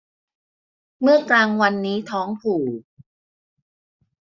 เมื่อกลางวันนี้ท้องผูก